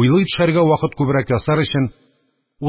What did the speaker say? Уйлый төшәргә вакыт күбрәк ясар өчен: